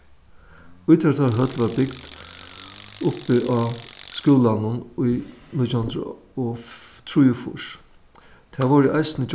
ítróttahøll varð bygd uppi á skúlanum í nítjan hundrað og og trýogfýrs tað vórðu eisini